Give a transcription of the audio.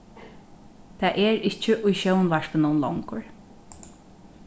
tað er ikki í sjónvarpinum longur